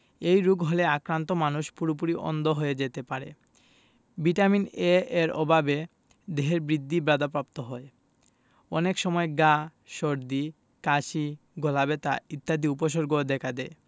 এই রোগ হলে আক্রান্ত মানুষ পুরোপুরি অন্ধ হয়ে যেতে পারে ভিটামিন A এর অভাবে দেহের বৃদ্ধি বাধাপাপ্ত হয় অনেক সময় ঘা সর্দি কাশি গলাব্যথা ইত্যাদি উপসর্গও দেখা দেয়